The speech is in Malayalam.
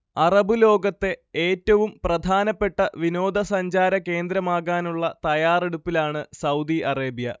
അറബ് ലോകത്തെ ഏറ്റവും പ്രധാനപ്പെട്ട വിനോദ സഞ്ചാര കേന്ദ്രമാകാനുള്ള തയാറെടുപ്പിലാണ് സൗദി അറേബ്യ